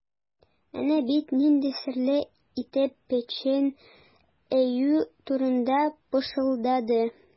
Әнә бит нинди серле итеп печән өю турында пышылдады.